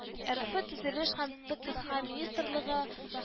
Эрфэ төзелеш һәм тэкэха министрлыгы